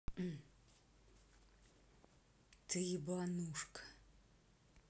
ты ебанушка